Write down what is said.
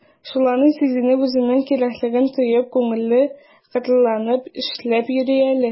Шуларны сизенеп, үзенең кирәклеген тоеп, күңеле кырланып эшләп йөри әле...